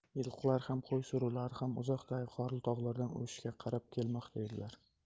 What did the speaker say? yilqilar ham qo'y suruvlari ham uzoqdagi qorli tog'lardan o'shga qarab kelmoqda edilar